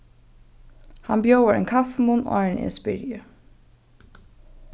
hann bjóðar ein kaffimunn áðrenn eg spyrji